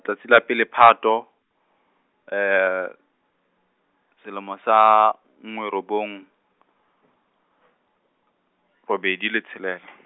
tsatsi la pele Phato, selemo sa nngwe robong , robedi le tshelela.